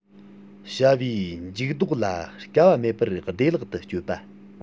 བྱ བའི འཇུག ལྡོག ལ དཀའ བ མེད པར བདེ བླག ཏུ སྤྱོད པ